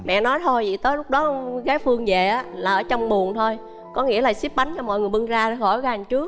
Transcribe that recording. mẹ nói thôi vậy tới lúc đó con gái phương về á là ở trong buồng thôi có nghĩa là síp bánh cho mọi người bưng ra thôi khỏi hàng trước